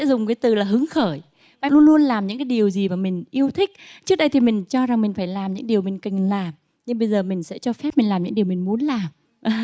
sẽ dùng cái từ là hứng khởi luôn luôn làm những cái điều gì mình yêu thích trước đây thì mình cho rằng mình phải làm những điều mình cần làm nhưng bây giờ mình sẽ cho phép mình làm những điều mình muốn làm